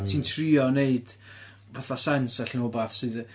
Ti'n trio wneud fatha sens allan o rywbeth sydd yy